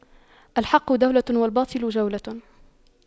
الحق دولة والباطل جولة